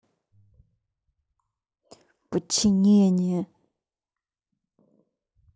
подчинение